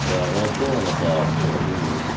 Ia, gan y cŵn fatha llygaid humans.